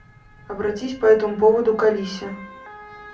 обратись по этому поводу к алисе